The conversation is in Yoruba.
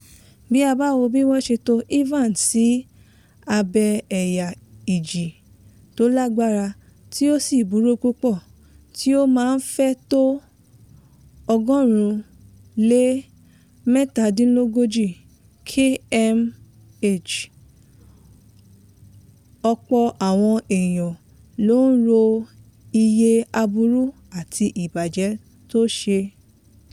Bí a bá wo bí wọ́n ṣe to Ivan sí abẹ́ẹ ẹ̀yà ìjì tó lágbára tó sì burú pupọ̀ tí ó máa ń fẹ́ tó 137 km/h, ọ̀pọ̀ àwọn èyan ló ń ro iye aburú àti ìbàjẹ́ tó ṣe.